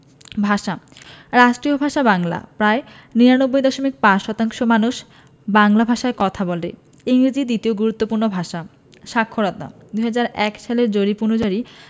ভাষাঃ রাষ্ট্রীয় ভাষা বাংলা প্রায় ৯৯দশমিক ৫শতাংশ মানুষ বাংলা ভাষায় কথা বলে ইংরেজি দ্বিতীয় গুরুত্বপূর্ণ ভাষা সাক্ষরতাঃ ২০০১ সালের জরিপ অনুযায়ী